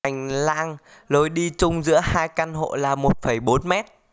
hành lang lối đi chung giữa hai căn hộ là một phẩy bốn mét